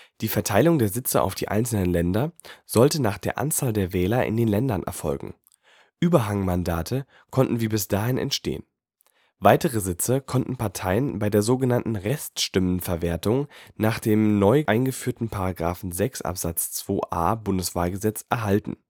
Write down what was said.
Die Verteilung der Sitze auf die einzelnen Länder sollte nach der Anzahl der Wähler in den Ländern erfolgen. Überhangmandate konnten wie bis dahin entstehen. Weitere Sitze konnten Parteien bei der sogenannten Reststimmenverwertung nach dem neu eingeführten § 6 Abs. 2a BWahlG erhalten